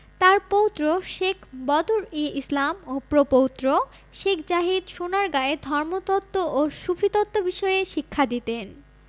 তাঁর পৌত্র শেখ বদর ই ইসলাম ও প্রপৌত্র শেখ জাহিদ সোনারগাঁয়ে ধর্মতত্ত্ব ও সুফিতত্ত্ব বিষয়ে শিক্ষা দিতেন